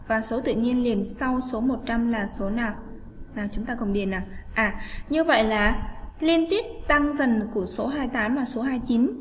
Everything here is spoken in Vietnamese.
và số tự nhiên liền sau số là số nào làm chúng ta cần đề là như vậy là liên tiếp tăng dần của số và số